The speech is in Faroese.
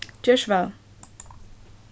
ger so væl